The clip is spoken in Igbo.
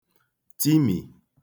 timì